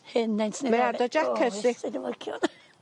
Henaint ne' rwbeth.... Mae ar dy jiaced di.